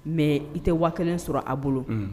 Mɛ i tɛ wa kelen sɔrɔ a bolo